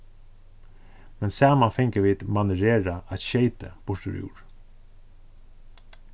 men saman fingu vit manererað eitt skeyti burturúr